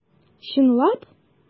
Чынлап!